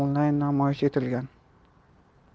onlayn namoyish etilgan